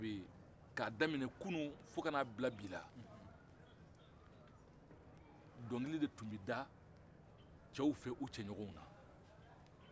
sadi k'a daminɛ kunu fo kana bila bi la donkili de tun bɛ da fɛ u cɛ ɲɔgɔw na